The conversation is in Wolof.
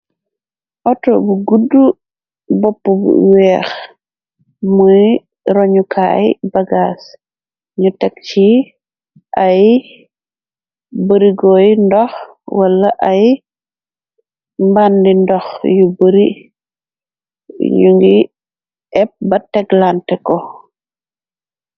Auto bu guddu boppu bu weeh muy roñukaay bagaas ñu teg ci ay bërigooy ndoh wala ay mbandi ndoh yu bari ñu ngi épp ba teglante ko.